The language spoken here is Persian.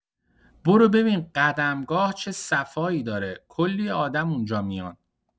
برو ببین قدمگاه چه صفایی داره، کلی آدم اونجا میان.